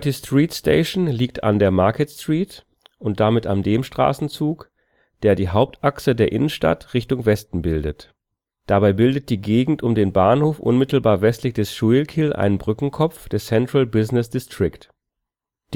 Street Station liegt an der Market Street und damit an dem Straßenzug, der die Hauptachse der Innenstadt Richtung Westen bildet. Dabei bildet die Gegend um den Bahnhof unmittelbar westlich des Schuylkill einen Brückenkopf des Central Business District. Dementsprechend